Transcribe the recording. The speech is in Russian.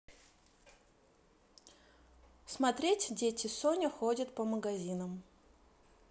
смотреть дети соня ходит по магазинам